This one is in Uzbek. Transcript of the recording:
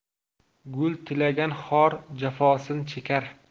gul tilagan xor jafosin chekar